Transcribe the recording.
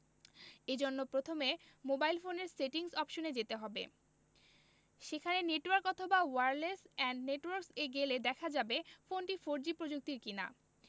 এ জন্য প্রথমে মোবাইল ফোনের সেটিংস অপশনে যেতে হবে সেখানে নেটওয়ার্ক অথবা ওয়্যারলেস অ্যান্ড নেটওয়ার্কস এ গেলে দেখা যাবে ফোনটি ফোরজি প্রযুক্তির কিনা